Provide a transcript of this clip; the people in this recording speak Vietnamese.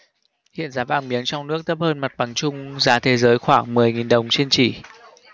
hiện giá vàng miếng trong nước thấp hơn mặt bằng chung giá thế giới khoảng mười nghìn đồng trên chỉ